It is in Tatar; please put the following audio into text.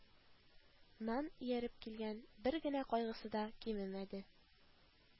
Нан ияреп килгән бер генә кайгысы да кимемәде